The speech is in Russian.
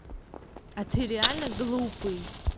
а ты такой глупый